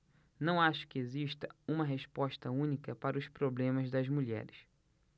não acho que exista uma resposta única para os problemas das mulheres